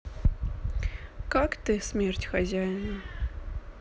как ты смерть хозяина